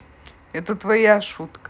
это твоя шутка